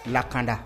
Lakanda